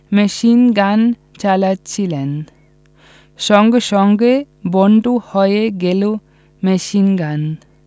machine gun চালাচ্ছিলেন সঙ্গে সঙ্গে বন্ধ হয়ে গেল মেশিনগান